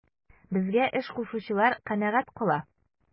Безгә эш кушучылар канәгать кала.